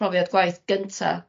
profiad gwaith gynta